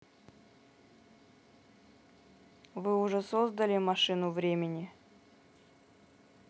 вы уже создали машину времени